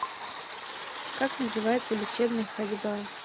как называется лечебная ходьба